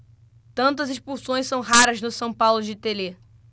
tantas expulsões são raras no são paulo de telê